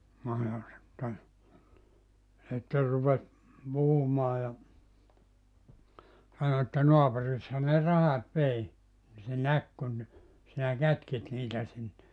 no ja sitten sitten rupesi puhumaan ja sanoi että naapurisihan ne rahat vei niin se näki kun sinä kätkit niitä sinne